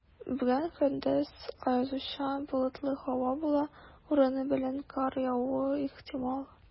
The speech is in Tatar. Бүген көндез аязучан болытлы һава була, урыны белән кар явуы ихтимал.